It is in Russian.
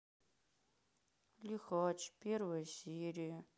лихач первая серия